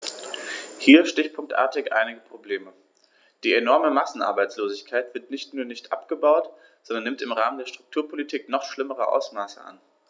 Hier stichpunktartig einige Probleme: Die enorme Massenarbeitslosigkeit wird nicht nur nicht abgebaut, sondern nimmt im Rahmen der Strukturpolitik noch schlimmere Ausmaße an.